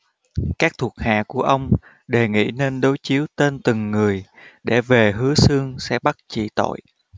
các thuộc hạ của ông đề nghị nên đối chiếu tên từng người để về hứa xương sẽ bắt trị tội